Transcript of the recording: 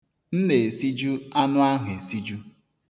M na-esiju anụ ahụ esiju.